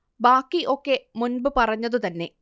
ബാക്കി ഒക്കെ മുൻപ് പറഞ്ഞത് തന്നെ